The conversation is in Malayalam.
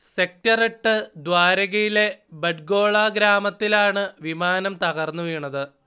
സെക്ടർ എട്ട് ദ്വാരകയിലെ ബഗ്ഡോള ഗ്രാമത്തിലാണ് വിമാനം തകർന്നുവീണത്